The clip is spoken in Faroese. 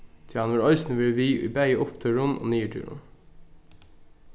tí hevur hann eisini verið við í bæði upptúrum og niðurtúrum